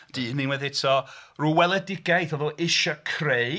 Dyn unwaith eto rhyw weledigaeth oedd o isio creu